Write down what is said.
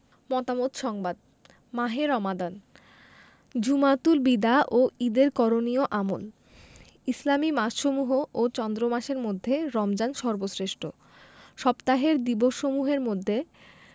মতামত সংবাদ মাহে রমাদান জুমাতুল বিদা ও ঈদের করণীয় আমল ইসলামি মাসসমূহ ও চন্দ্রমাসের মধ্যে রমজান সর্বশ্রেষ্ঠ সপ্তাহের দিবসসমূহের মধ্যে